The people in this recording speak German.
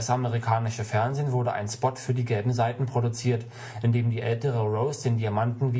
US-amerikanische Fernsehen wurde ein Spot für die Gelben Seiten produziert, in dem die ältere Rose den Diamanten wie